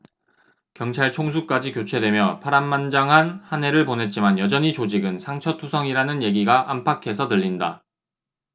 경찰 총수까지 교체되며 파란만장한 한 해를 보냈지만 여전히 조직은 상처 투성이라는 얘기가 안팎에서 들린다